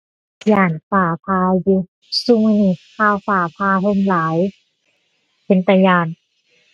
ย้านฟ้าผ่าอยู่ ซุมื้อนี้ข่าวฟ้าผ่าแฮ่งหลาย เป็นตาย้าน